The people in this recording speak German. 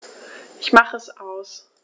Ich mache es aus.